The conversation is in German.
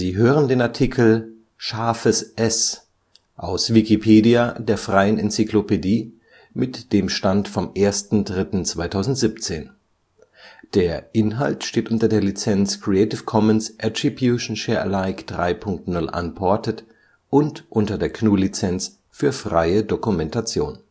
hören den Artikel ß, aus Wikipedia, der freien Enzyklopädie. Mit dem Stand vom Der Inhalt steht unter der Lizenz Creative Commons Attribution Share Alike 3 Punkt 0 Unported und unter der GNU Lizenz für freie Dokumentation